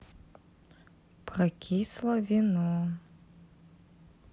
прокисло вино